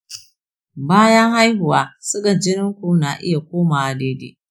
bayan haihuwa sugan jinin ktu na iya komawa daidai.